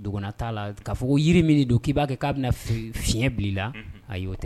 Dogona t'a la t k'a fɔ ko yiri min de don k'i ba kɛ k'a bɛna f fiɲɛ bil'i la unhun ayi o tɛ